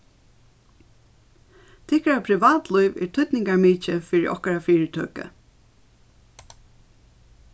tykkara privatlív er týdningarmikið fyri okkara fyritøku